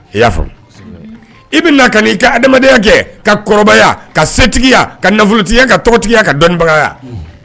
I y'a faamu, i bɛ na ka n'i ka hadamadenya kɛ, ka kɔrɔbaya ka setigiya, ka nafolotigiya, ka tɔgɔtigiya ka dɔnnibagaya